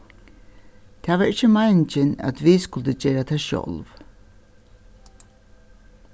tað var ikki meiningin at vit skuldu gera tað sjálv